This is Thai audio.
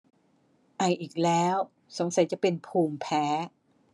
ไออีกแล้วสงสัยจะเป็นภูมิแพ้